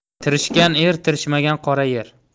tirishgan er tirishmagan qora yer